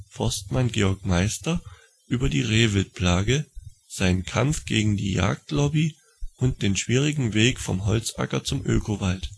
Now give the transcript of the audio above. Forstmann Georg Meister über die Rehwildplage, seinen Kampf gegen die Jagdlobby und den schwierigen Weg vom Holzacker zum Ökowald